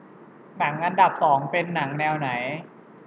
หนังอันดับสองเป็นหนังแนวไหน